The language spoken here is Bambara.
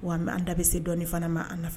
Wa an da bɛ se dɔnni fana ma an fɛ